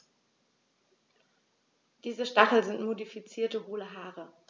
Diese Stacheln sind modifizierte, hohle Haare.